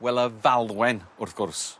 wel y falwen wrth gwrs.